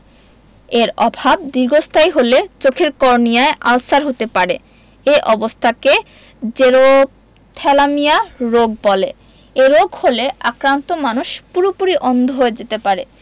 এর অভাব দীর্ঘস্থায়ী হলে চোখের কর্নিয়ায় আলসার হতে পারে এ অবস্থাকে জেরপ্থ্যালমিয়া রোগ বলে এ রোগ হলে আক্রান্ত মানুষ পুরোপুরি অন্ধ হয়ে যেতে পারে